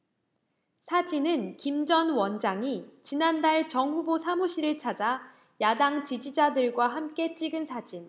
사진은 김 전 원장이 지난달 정 후보 사무실을 찾아 야당 지지자들과 함께 찍은 사진